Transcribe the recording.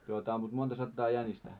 te olette ampunut monta sataa jänistä